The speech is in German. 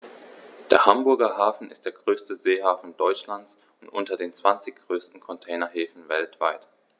Der Hamburger Hafen ist der größte Seehafen Deutschlands und unter den zwanzig größten Containerhäfen weltweit.